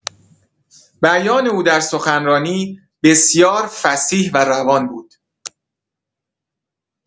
بیان او در سخنرانی بسیار فصیح و روان بود.